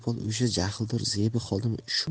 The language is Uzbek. jahldor zebi xolami shu